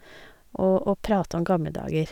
Og å prate om gamle dager.